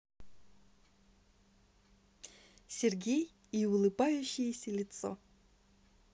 сергей и улыбающееся лицо